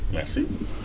merci